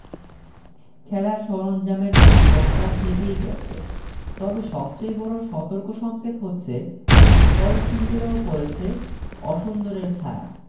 খেলার সরঞ্জামের সংকটটা থেকেই গেছে তবে সবচেয়ে বড় সতর্কসংকেত হচ্ছে কলসিন্দুরেও পড়েছে অসুন্দরের ছায়া